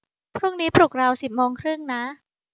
พรุ่งนี้ปลุกเราสิบโมงครึ่งนะ